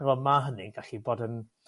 t'mo' ma' hynny'n gallu bod yn